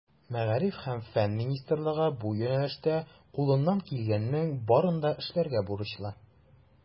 Мәгариф һәм фән министрлыгы бу юнәлештә кулыннан килгәннең барын да эшләргә бурычлы.